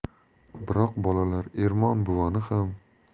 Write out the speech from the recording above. biroq bolalar ermon buvani ham